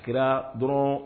Kira dɔrɔn